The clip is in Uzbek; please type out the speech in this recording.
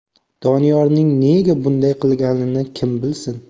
doniyorning nega bunday qilganini kim bilsin